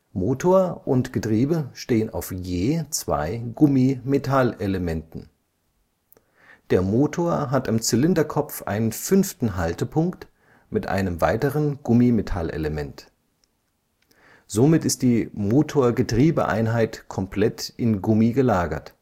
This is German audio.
Motor und Getriebe stehen auf je zwei Gummi-Metall-Elementen (Elastomerlagern). Der Motor hat am Zylinderkopf einen fünften Haltepunkt mit einem weiteren Gummi-Metall-Element. Somit ist die Motor-Getriebe-Einheit komplett in Gummi gelagert